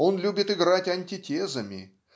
он любит играть антитезами